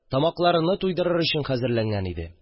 Тамакларыны туйдырыр өчен хәзерләнгән иде